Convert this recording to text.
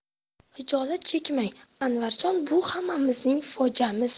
xijolat chekmang anvarjon bu hammamizning fojiamiz